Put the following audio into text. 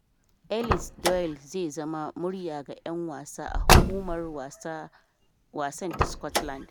Eilidh Doyle zai zama "murya ga 'yan wasa" a hukumar wasan ta Scotland